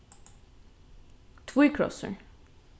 tvíkrossur